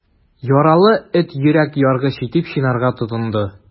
Яралы эт йөрәк яргыч итеп чинарга тотынды.